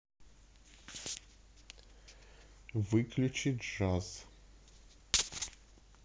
выключи джаз